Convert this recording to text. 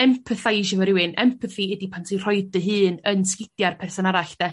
empatheisio 'fo rywun empathi ydy pan ti rhoi dy hun yn sgidia'r person arall de?